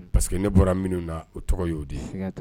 Paseke ne bɔra minnu na o tɔgɔ ye'o de